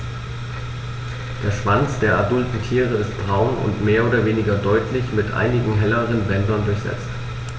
Der Schwanz der adulten Tiere ist braun und mehr oder weniger deutlich mit einigen helleren Bändern durchsetzt.